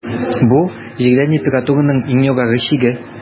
Бу - Җирдә температураның иң югары чиге.